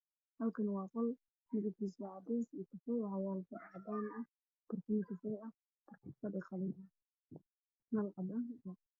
Halkani waa qol waxyaalo kartoon kafee ah kartoon cadaan nal